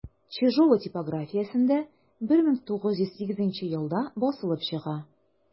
Чижова типографиясендә 1908 елда басылып чыга.